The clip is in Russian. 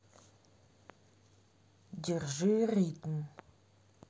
держи ритм